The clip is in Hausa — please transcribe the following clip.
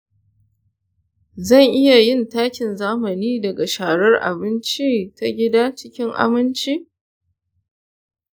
zan iya yin takin zamani daga sharar abinci ta gida cikin aminci?